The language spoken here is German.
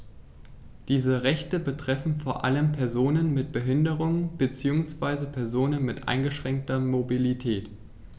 Diese Rechte betreffen vor allem Personen mit Behinderung beziehungsweise Personen mit eingeschränkter Mobilität.